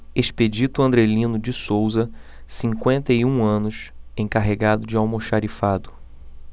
expedito andrelino de souza cinquenta e um anos encarregado de almoxarifado